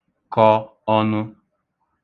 kọ ọ̄nụ̄